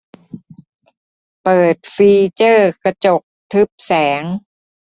เปิดฟีเจอร์กระจกทึบแสง